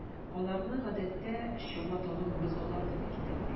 Аларны, гадәттә, “чабаталы морзалар” дип йөртәләр.